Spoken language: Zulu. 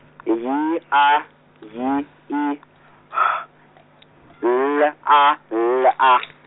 Y A Y I H L A L A .